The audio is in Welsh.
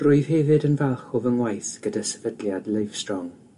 Rwyf hefyd yn falch o fy ngwaith gyda sefydliad Livestrong